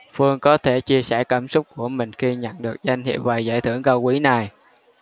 phương có thể chia sẻ cảm xúc của mình khi nhận được danh hiệu và giải thưởng cao quý này